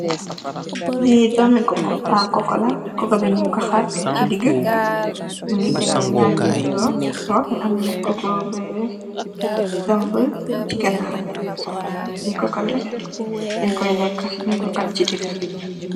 Li domi coko la nyun ko har si diga.